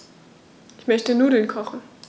Ich möchte Nudeln kochen.